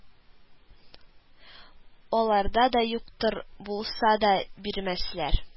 Аларда да юктыр, булса да бирмәсләр